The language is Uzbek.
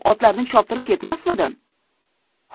otlarni choptirib ketmasmidim